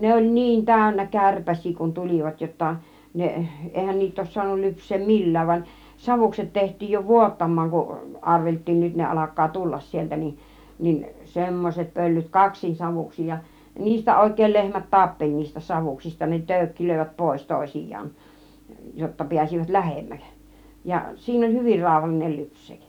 ne oli niin täynnä kärpäsiä kun tulivat jotta ne eihän niitä olisi saanut lypsää millään vaan savukset tehtiin jo vuottamaan kun arveltiin nyt ne alkaa tulla sieltä niin niin semmoiset pöllyt kaksin savuksin ja niistä oikein lehmät tappeli niistä savuksista ne töykkilöivät pois toisiaan jotta pääsivät lähemmäksi ja siinä oli hyvin rauhallinen lypsää